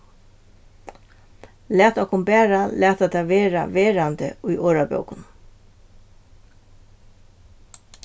lat okkum bara lata tað verða verandi í orðabókunum